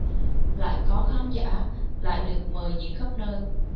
lại có khán giả lại được mời diễn khắp nơi